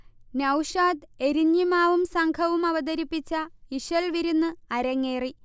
നൗഷാദ് എരിഞ്ഞിമാവും സംഘവും അവതരിപ്പിച്ച ഇശൽവിരുന്ന് അരങ്ങേറി